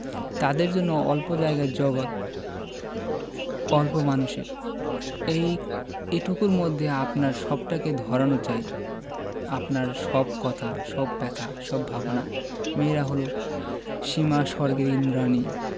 তাদের জন্য অল্প জায়গার জগত অল্প মানুষের এটুকুর মধ্যে আপনার সবটাকে ধরানো চাই আপনার সব কথা সব ব্যাথা সব ভাবনা মেয়েরা হল সীমাস্বর্গের ঈন্দ্রাণী